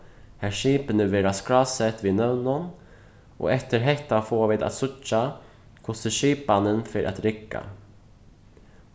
har skipini vera skrásett við nøvnum og eftir hetta fáa vit at síggja hvussu skipanin fer at rigga